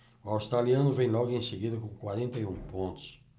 o australiano vem logo em seguida com quarenta e um pontos